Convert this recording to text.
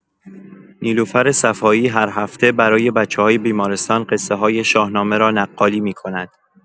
نیلوفر صفایی، هر هفته برای بچه‌های بیمارستان قصه‌های شاهنامه را نقالی می‌کند.